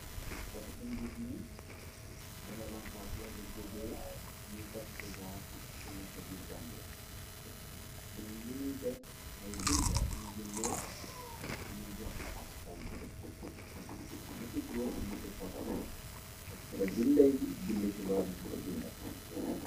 Fot bun disney dana bankaafla bu jége ñu tastivar ci nekk bir gania ñoom luñuy dep mooy binda u binde luñuy jokk askanbi niti góot ñu ci fotabe te binda yi binditu warnin ko binda.